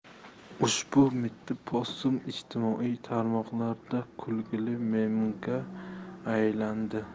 ushbu mitti possum ijtimoiy tarmoqlarda kulgili memga aylandi